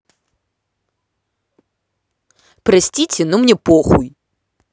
простите но мне похуй